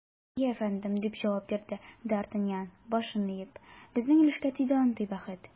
Әйе, әфәндем, - дип җавап бирде д’Артаньян, башын иеп, - безнең өлешкә тиде андый бәхет.